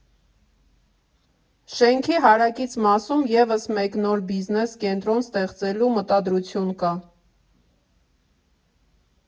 Շենքի հարակից մասում ևս մեկ նոր բիզնես կենտրոն ստեղծելու մտադրություն կա.